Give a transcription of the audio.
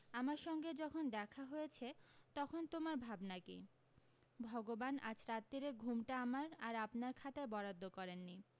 আমার সঙ্গে যখন দেখা হয়েছে তখন তোমার ভাবনা কী ভগবান আজ রাত্তিরের ঘুমটা আমার আর আপনার খাতায় বরাদ্দ করেননি